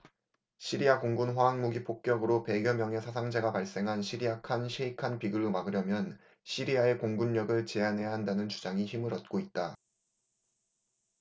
시리아 공군 화학무기 폭격으로 백 여 명의 사상자가 발생한 시리아 칸 셰이칸 비극을 막으려면 시리아의 공군력을 제한해야 한다는 주장이 힘을 얻고 있다